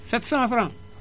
sept cent franc